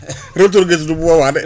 *** bu boobaa de